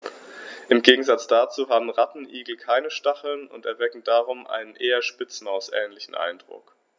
Im Gegensatz dazu haben Rattenigel keine Stacheln und erwecken darum einen eher Spitzmaus-ähnlichen Eindruck.